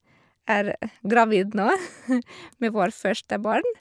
Er gravid nå, med vår første barn.